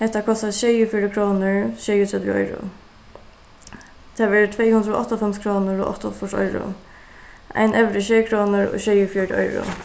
hetta kostar sjeyogfjøruti krónur sjeyogtretivu oyru tað verður tvey hundrað og áttaoghálvfems krónur og áttaogfýrs oyru ein evra er sjey krónur og sjeyogfjøruti oyru